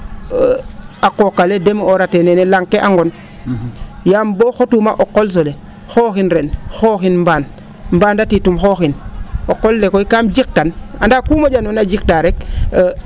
a qooq ale deme'ooratee nene la? ke a nqon yaam boo xotuuma o qoles ole xooxin ren xooxin mbaan mbaanatit u m xooxin o qol le koy kam jiqtan ande ku mo?anoona jiqtaa rek